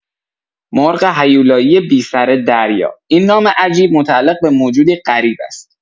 «مرغ هیولایی بی‌سر دریا» این نام عجیب متعلق به موجودی غریب است.